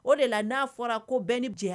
O de la n'a fɔra ko bɛn ni jɛ